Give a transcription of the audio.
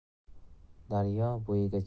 daryo bo'yiga chiqqanimizda